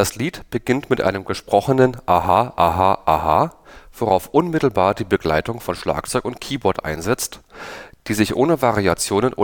Lied beginnt mit einem gesprochenen „ Aha aha aha “, worauf unmittelbar die Begleitung von Schlagzeug und Keyboard einsetzt, die sich ohne Variationen